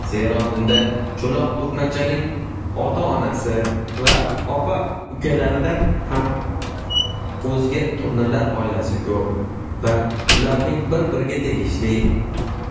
zero bunda cho'loq turnachaning ota onasi va aka opalaridan ham o'zga turnalar oilasi ko'p va ularning har biriga tegishli